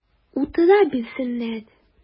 Утыра бирсеннәр!